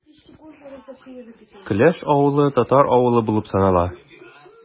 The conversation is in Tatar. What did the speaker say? Келәш авылы – татар авылы булып санала.